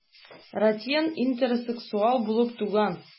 Ратьен интерсексуал булып туган.